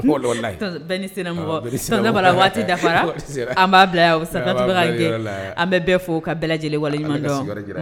Sinainamɔgɔ waati dafafa an b'a bila sa an bɛ bɛɛ fɔ ka bɛɛ lajɛlenwale